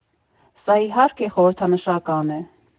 Սա, իհարկե, խորհրդանշական է.